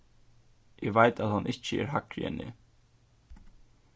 eg veit at hann ikki er hægri enn eg